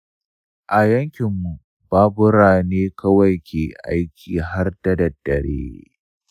a yankinmu, babura ne kawai ke aiki har da daddare.